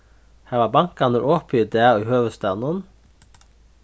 hava bankarnir opið í dag í høvuðsstaðnum